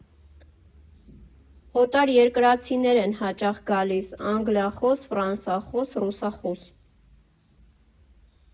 Օտարերկրացիներ են հաճախ գալիս՝ անգլիախոս, ֆրանսախոս, ռուսախոս։